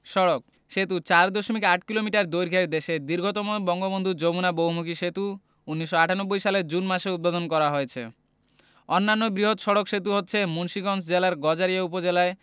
সড়কঃ সেতু ৪দশমিক ৮ কিলোমিটার দৈর্ঘ্যের দেশের দীর্ঘতম বঙ্গবন্ধু যমুনা বহুমুখী সেতু ১৯৯৮ সালের জুন মাসে উদ্বোধন করা হয়েছে অন্যান্য বৃহৎ সড়ক সেতু হচ্ছে মুন্সিগঞ্জ জেলার গজারিয়া উপজেলায়